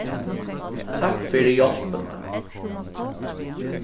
takk fyri hjálpina